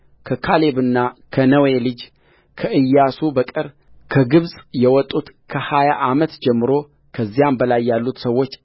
ከካሌብና ከነዌ ልጅ ከኢያሱ በቀር ከግብፅ የወጡት ከሀያ ዓመት ጀምሮ ከዚያም በላይ ያሉት ሰዎች